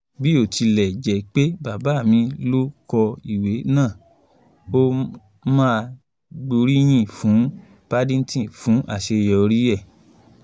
Bí ó tilẹ̀ jẹ́ pé bàbá mi ló kọ ìwé náà, ó máa n gbóríyìn fún Paddington fún àṣeyọrí ẹ̀.”